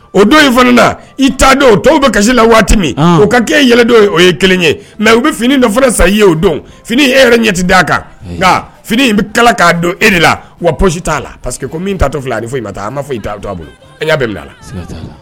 O don in fana da i t' don tɔw bɛ kasi la waati min o ka kɛ e yɛlɛ don ye o ye kelen ye mɛ u bɛ fini dɔ sa ye o don fini e yɛrɛ ɲɛti da'a kan nka fini in bɛ k'a don e de la waɔsi t'a la pa min'a to fila ni foyi' taa a ma fɔ a bolo y'a bɛ bila la